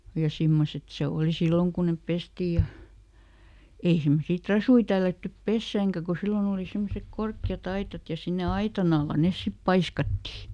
ja semmoiset se oli silloin kun ne pestiin ja ei semmoisia trasuja tällätty pesäänkään kun silloin oli semmoiset korkeat aitat ja sinne aitan alla ne sitten paiskattiin